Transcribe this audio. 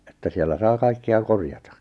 että siellä saa kaikkea korjata